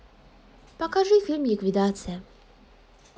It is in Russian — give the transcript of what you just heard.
покажи фильм ликвидация